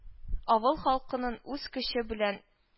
Авыл халкынын үз көче белән